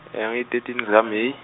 nge- thirteen zika May.